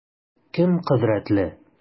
Кем кодрәтле?